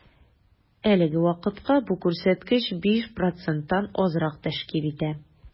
Әлеге вакытта бу күрсәткеч 5 проценттан азрак тәшкил итә.